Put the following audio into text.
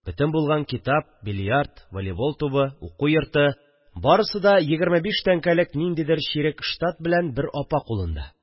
Бөтен булган китап, бильярд, волейбол тубы, уку йорты – барысы да егерме биш тәңкәлек ниндидер чирек штат белән бер апа кулында